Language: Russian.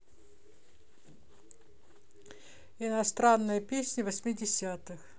иностранные песни восьмидесятых